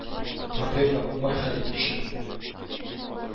Проблеманы уңай хәл итү өчен